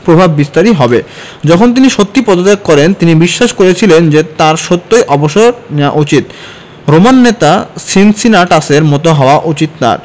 প্রভাববিস্তারী হবে যখন তিনি সত্যিই পদত্যাগ করেন তিনি বিশ্বাস করেছিলেন যে তাঁর সত্যই অবসর নেওয়া উচিত রোমান নেতা সিনসিনাটাসের মতো হওয়া উচিত তাঁর